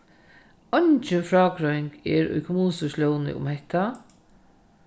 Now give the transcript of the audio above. eingin frágreiðing er í kommunustýrislógini um hetta